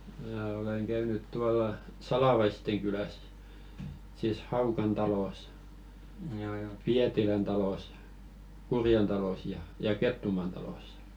minä olen käynyt tuolla Salavaisten kylässä sitten Haukan talossa Pietilän talossa Kurjen talossa ja ja Kettumaan talossa